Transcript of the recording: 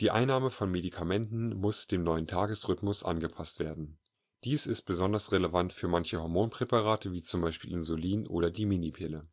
Einnahme von Medikamenten muss dem neuen Tagesrhythmus angepasst werden. Dies ist besonders relevant für manche Hormonpräparate wie z. B. Insulin oder die Minipille